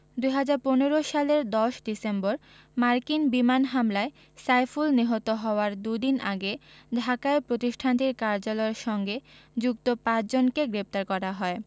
২০১৫ সালের ১০ ডিসেম্বর মার্কিন বিমান হামলায় সাইফুল নিহত হওয়ার দুদিন আগে ঢাকায় প্রতিষ্ঠানটির কার্যালয়ের সঙ্গে যুক্ত পাঁচজনকে গ্রেপ্তার করা হয়